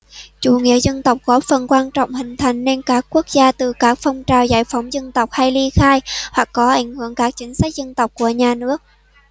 chủ nghĩa dân tộc góp phần quan trọng hình thành nên các quốc gia từ các phong trào giải phóng dân tộc hay ly khai hoặc có ảnh hưởng các chính sách dân tộc của nhà nước